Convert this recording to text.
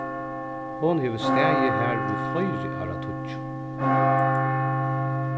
hon hevur staðið har í fleiri áratíggju